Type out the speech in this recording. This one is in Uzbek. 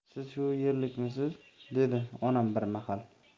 siz shu yerlikmisiz dedi onam bir mahal